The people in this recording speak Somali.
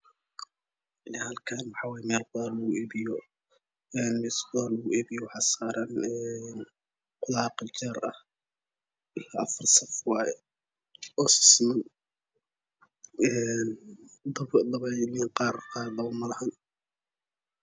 Halkaan waa mel qudaar lagu ibiyo qudar qajar ah oo sasafan waa afar saf